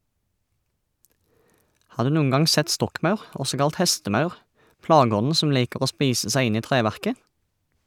Har du noen gang sett stokkmaur, også kalt hestemaur, plageånden som liker å spise seg inn i treverket?